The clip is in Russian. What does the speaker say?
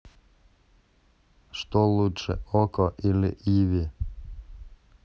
что лучше окко или иви